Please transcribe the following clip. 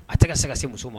A tɛ ka se ka se muso ma.